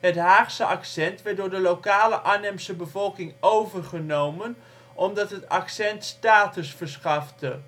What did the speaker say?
Het Haagse accent werd door de lokale Arnhemse bevolking overgenomen omdat het accent status verschafte